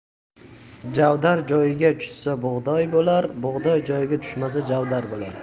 javdar joyiga tushsa bug'doy bo'lar bug'doy joyiga tushmasa javdar bo'lar